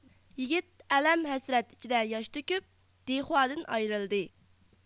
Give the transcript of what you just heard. يىگىت ئەلەم ھەسرەت ئىچىدە ياش تۆكۈپ دىخوادىن ئايرىلدى